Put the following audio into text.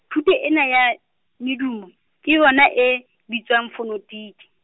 thuto ena ya, medumo, ke yona e, bitswang -fonetiki.